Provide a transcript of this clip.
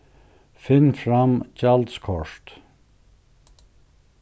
finn fram gjaldskort